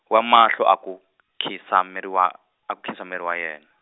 wa mahlo a ku, nkhinsameriwa, a ku nkhinsameriwa yena.